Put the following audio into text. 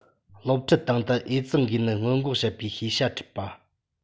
སློབ ཁྲིད སྟེང དུ ཨེ ཙི འགོས ནད སྔོན འགོག བྱེད པའི ཤེས བྱ ཁྲིད པ